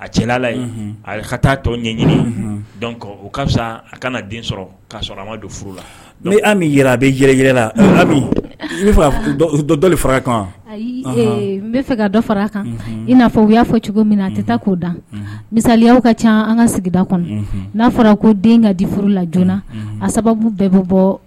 La n a bɛ la n dɔ dɔ fara kan n bɛ fɛ ka dɔ fara a kan i n'a fɔ u y'a fɔ cogo min na a tɛ taa k'o da misaliya ka ca an ka sigida kɔnɔ n'a fɔra ko den ka di furu la joona a sababu bɛɛ bɛ bɔ